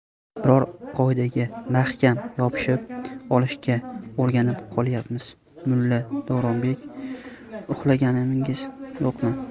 biz bir qoidaga mahkam yopishib olishga o'rganib qolyapmiz mulla davronbek uxlaganingiz yo'qmi